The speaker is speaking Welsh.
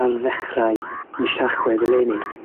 ar ddechrau mis Tachwedd eleni